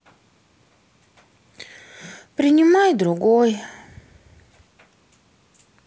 принимай другой